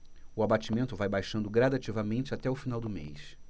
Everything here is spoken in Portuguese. o abatimento vai baixando gradativamente até o final do mês